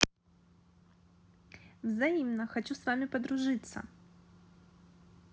взаимно хочу с вами подружиться